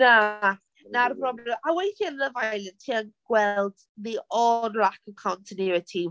Na 'na'r broblem. A weithiau yn Love Island ti yn gweld the odd lack of continuity.